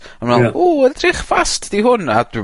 a me'wl... Ie. ...o edrych fast 'di hwnna du hwn, a dwi'm...